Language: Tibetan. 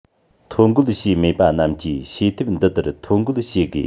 ཐོ བཀོད བྱས མེད པ རྣམས ཀྱིས བྱེད ཐབས འདི ལྟར ཐོ འགོད བྱེད དགོས